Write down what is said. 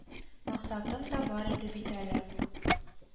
Максатым да бар иде бит әле